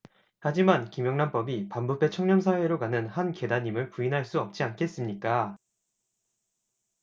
하지만 김영란법이 반부패 청렴 사회로 가는 한 계단임을 부인할 수 없지 않겠습니까